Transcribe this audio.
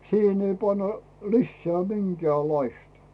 siihen ei panna lisää minkäänlaista